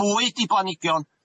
Bwyd i blanhigion.